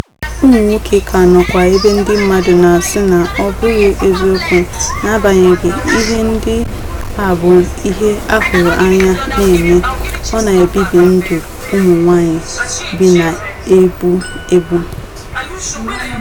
Ụmụnwoke ka n'ọkwa ebe ndị mmadụ na-asị na ọ bụghị eziokwu, n'agabnyeghi ihe ndị a bụ ihe ahụrụ anya na-eme: Ọ na-ebibi ndụ ụmụ nwaanyị bi na EGBU EGBU!